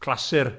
Clasur.